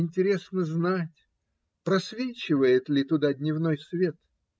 Интересно знать, просвечивает ли туда дневной свет?